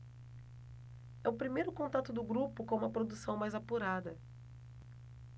é o primeiro contato do grupo com uma produção mais apurada